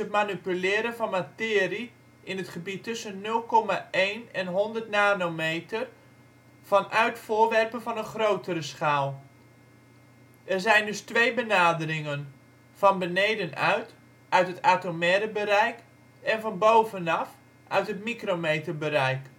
manipuleren van materie in het gebied tussen 0,1 en 100 nanometer vanuit voorwerpen van een grotere schaal. Er zijn dus twee benaderingen: van beneden uit (uit het atomaire bereik) en van bovenaf (uit het micrometerbereik